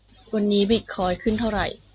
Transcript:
วันนี้บิทคอยน์ขึ้นเท่าไหร่